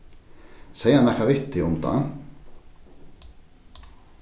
segði hann nakað við teg um tað